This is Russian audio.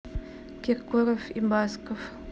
киркоров и басков